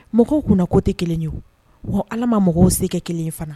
Mɔgɔw kunna ko tɛ kelen ye o, wa Ala ma mɔgɔw se kɛ kelen ye fana.